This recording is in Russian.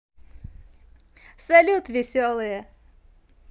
салют веселые